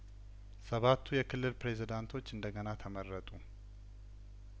ሰባቱ የክልል ፕሬዝዳንቶች እንደገና ተመረጡ